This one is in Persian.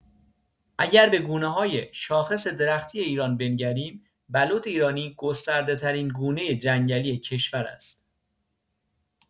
اگر به گونه‌های شاخص درختی ایران بنگریم، بلوط ایرانی گسترده‌‌ترین گونه جنگلی کشور است.